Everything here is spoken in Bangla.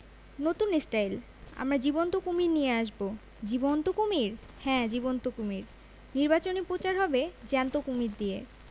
নতুন স্টাইল আমরা জীবন্ত কুমীর নিয়ে আসব জীবন্ত কুমীর হ্যাঁ জীবন্ত কুমীর নির্বাচনী প্রচার হবে জ্যান্ত কুমীর দিয়ে